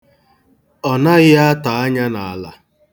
Ọ naghị atọ anya n'ala.